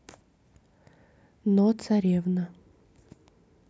но царевна